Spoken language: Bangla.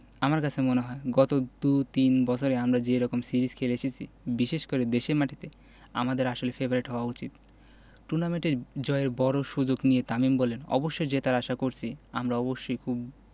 আমার কাছে মনে হয় গত দু তিন বছরে আমরা যে রকম সিরিজ খেলে এসেছি বিশেষ করে দেশের মাটিতে আমাদের আসলে ফেবারিট হওয়া উচিত টুর্নামেন্ট জয়ের বড় সুযোগ নিয়ে তামিম বললেন অবশ্যই জেতার আশা করছি আমরা অবশ্যই খুব